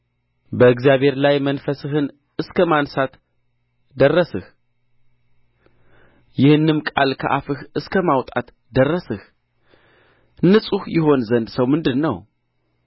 በእግዚአብሔር ላይ መንፈስህን እስከ ማንሣት ደርሰህ ይህንም ቃል ከአፍህ እስከ ማውጣት ደርሰህ ንጹሕ ይሆን ዘንድ ሰው ምንድር ነው